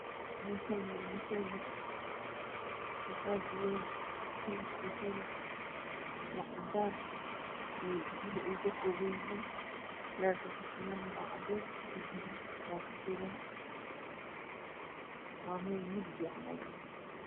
Meshan wamasajid ad u weyn kalar kiisuna wa cadaan iyo dahabi ukakoban yahy leerka kashidan wacades iyo guduud wa meel mugdi camal